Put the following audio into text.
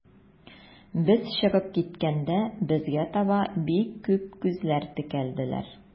Без чыгып киткәндә, безгә таба бик күп күзләр текәлделәр.